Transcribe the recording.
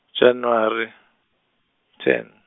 January, ten.